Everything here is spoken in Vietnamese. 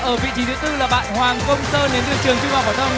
ở vị trí thứ tư là bạn hoàng công sơn đến từ trường trung học phổ thông